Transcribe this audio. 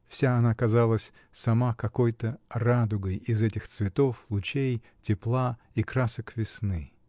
Вся она казалась сама какой-то радугой из этих цветов, лучей, тепла и красок весны.